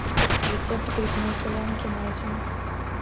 рецепт грибной солянки на зиму